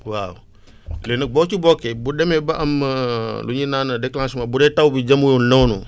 waaw léegi nag boo ci bokkee bu demee ba am lu ñuy naan déclenchement bu dee taw bi demeewul noonu